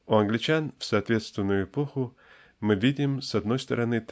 У англичан в соответственную эпоху мы видим с одной стороны